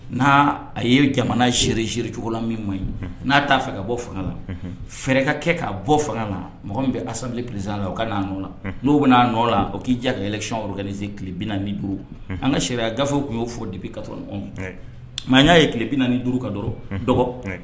N'a a ye jamana zerieri cogo la min ma ye n'a t'a fɛ ka bɔ fangala fɛɛrɛ ka kɛ k'a bɔ fanga mɔgɔ min bɛ asa pz la o ka'a nɔ n'o bɛna'a nɔ la o k'i ja ka yɛlɛɛlɛnsikɛ nine tilelebina duuru an ka sariya gafew tun y'o fɔ dibi ka maa y'a ye tilebina ni duuru ka dɔrɔn dɔgɔ